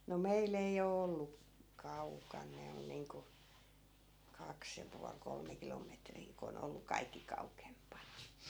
no meillä ei ole ollut kaukana ne on niin kuin kaksi ja puoli kolme kilometriä kun on ollut kaikki kauempana